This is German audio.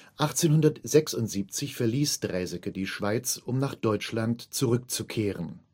1876 verließ Draeseke die Schweiz, um nach Deutschland zurückzukehren